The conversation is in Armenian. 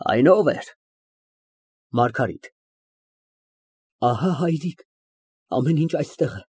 Այն ո՞վ էր։ ՄԱՐԳԱՐԻՏ ֊ Ահա հայրիկ, ամեն ինչ այստեղ է։